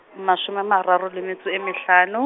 mashome a mararo le metso e mehlano.